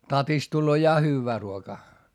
tatista tulee ja hyvää ruokaa